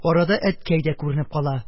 Арада әткәй дә күренеп кала.